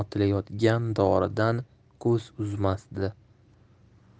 otilayotgan doridan ko'z uzmasdi